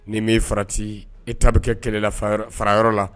Ni mi farati , i ta bi kɛ kɛlɛ la farayɔrɔ la